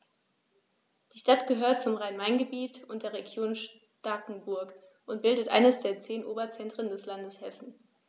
Die Stadt gehört zum Rhein-Main-Gebiet und der Region Starkenburg und bildet eines der zehn Oberzentren des Landes Hessen.